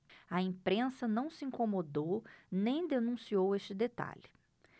a imprensa não se incomodou nem denunciou esse detalhe